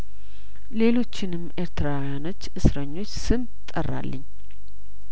ሌሎችንም ኤርትራዊያኖች እስረኞች ስም ጠራልኝ